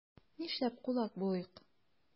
Нишләп кулак булыйк?